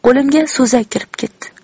qo'limga so'zak kirib ketdi